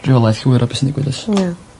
rheolaeth llwyr ar be' sy'n digwydd o's? Ie.